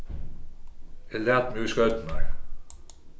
eg lat meg í skoyturnar